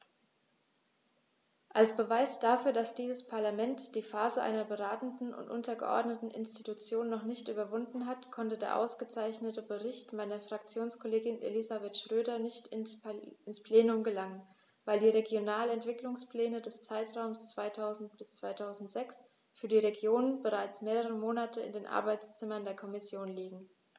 Als Beweis dafür, dass dieses Parlament die Phase einer beratenden und untergeordneten Institution noch nicht überwunden hat, konnte der ausgezeichnete Bericht meiner Fraktionskollegin Elisabeth Schroedter nicht ins Plenum gelangen, weil die Regionalentwicklungspläne des Zeitraums 2000-2006 für die Regionen bereits mehrere Monate in den Arbeitszimmern der Kommission liegen.